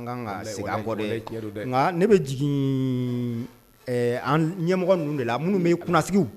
Segin ne bɛ jigin ɲɛmɔgɔ ninnu de la minnu bɛ kunsigi